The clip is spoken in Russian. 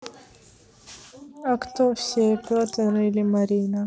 а кто все петр или марина